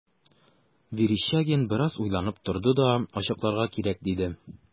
Верещагин бераз уйланып торды да: – Ачыкларга кирәк,– диде.